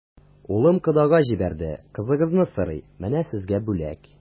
Улым кодага җибәрде, кызыгызны сорый, менә сезгә бүләк.